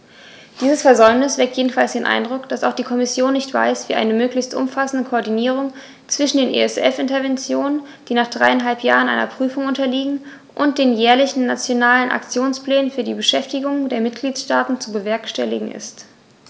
Dieses Versäumnis weckt jedenfalls den Eindruck, dass auch die Kommission nicht weiß, wie eine möglichst umfassende Koordinierung zwischen den ESF-Interventionen, die nach dreieinhalb Jahren einer Prüfung unterliegen, und den jährlichen Nationalen Aktionsplänen für die Beschäftigung der Mitgliedstaaten zu bewerkstelligen ist.